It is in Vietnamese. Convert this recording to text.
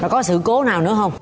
có sự cố nào nữa hông